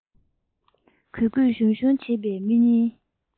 གུས གུས ཞུམ ཞུམ བྱེད བཞིན པའི མི གཉིས